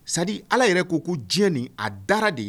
Sa ala yɛrɛ ko ko diɲɛ a da de ye